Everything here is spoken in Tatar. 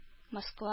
Москва